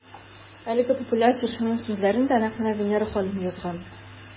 Әлеге популяр җырның сүзләрен дә нәкъ менә Винера ханым язган.